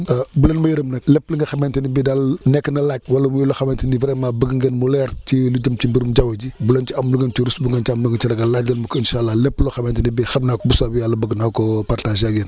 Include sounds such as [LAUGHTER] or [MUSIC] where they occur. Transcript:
[HESITATION] bu leen ma yërëm nag lépp li nga xamante ni bii daal nekk na laaj wala muy loo xamante ni vraiment bëgg ngeen mu leer ci lu jëm ci mbirum jaww ji bu leen ci am lu ngeen ciy rus bu leen am lu ngeen ciy ragal laaj leen ma ko incha allah lépp loo xamante ni bii xam naa ko bu soobee yàlla bëgg naa koo partager ak yéen